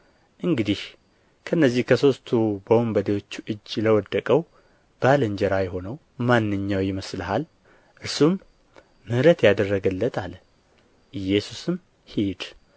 እንግዲህ ከነዚህ ከሦስቱ በወንበዴዎች እጅ ለወደቀው ባልንጀራ የሆነው ማንኛው ይመስልሃል እርሱም ምሕረት ያደረገለት አለ ኢየሱስም ሂድ